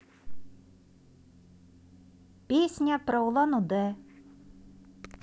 песня про улан удэ